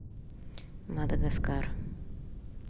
мадагаскар